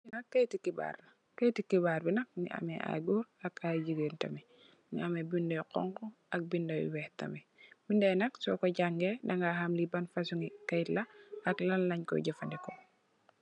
Li nak kayetu heebar la, kayetu heebar bi nak mungi ameh ay gòor ak ay jigèen tamit. Mungi ameh ay binda yu honku ak binda yu weeh tamit. Binda yi nak soko jàngay daga ham li ban fasung gi kayet la ak lan leen koy jafadeko.